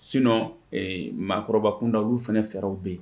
Sinon ee maakɔrɔbakunda olu fɛnɛ fɛɛrɛw be ye